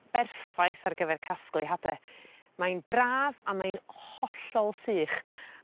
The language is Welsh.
berffaith ar gyfer casglu hade. Mae'n braf a mae'n hollol sych.